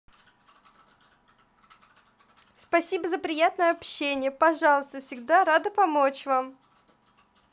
спасибо за приятное общение пожалуйста всегда рада помочь вам